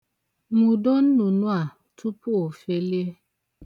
Nwudo nnụnụ a tupu o felie.